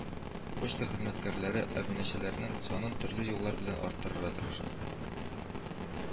Почта хезмәткәрләре абунәчеләрнең санын төрле юллар белән арттырыга тырыша